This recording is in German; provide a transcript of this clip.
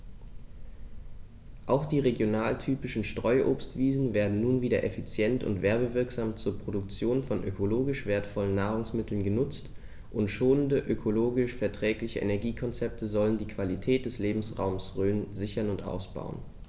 Auch die regionaltypischen Streuobstwiesen werden nun wieder effizient und werbewirksam zur Produktion von ökologisch wertvollen Nahrungsmitteln genutzt, und schonende, ökologisch verträgliche Energiekonzepte sollen die Qualität des Lebensraumes Rhön sichern und ausbauen.